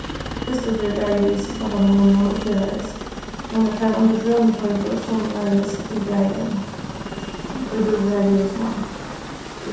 fyrstu ferð var eg við systkinabarni mínum og ferðaðist hon er farin undir grønu torvu somuleiðis tey bæði ið búði har í húsinum